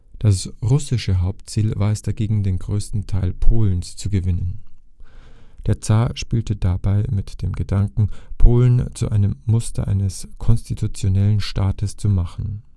Das russische Hauptziel war es dagegen, den größten Teil Polens zu gewinnen. Der Zar spielte dabei mit dem Gedanken, Polen zu einem Muster eines konstitutionellen Staates zu machen